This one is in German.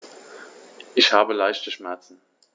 Ich habe leichte Schmerzen.